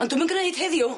Ond dwi'm yn gneud heddiw.